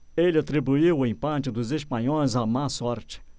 ele atribuiu o empate dos espanhóis à má sorte